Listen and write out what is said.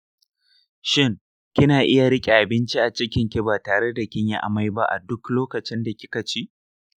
shin kina iya rike abinci a cikinki ba tareda kinyi amai ba a duk lokacinda kikaci?